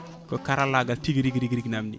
ko karallagal tigui rigui rigui namdi